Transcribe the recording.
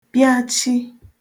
pịachi